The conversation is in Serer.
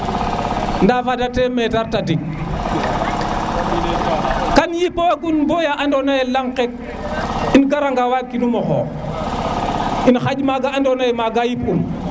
nda fada te metar tadik kam yipo gun baya ando na ye lang ke um gara nga wa kinuma xoox um xaƴ maga andona ye maga yip um